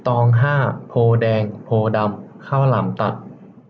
ตองห้าโพธิ์แดงโพธิ์ดำข้าวหลามตัด